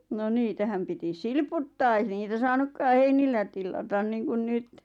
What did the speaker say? no niitähän piti silputtaa ei niitä saanutkaan heinillä tilata niin kuin nyt